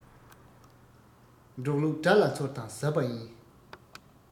འགྲོགས ལུགས དགྲ ལ འཚོལ དང ཟབ པ ཡིན